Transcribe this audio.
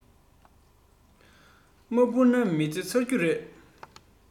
མ འཕུར ན མི ཚེ ཚར རྒྱུ རེད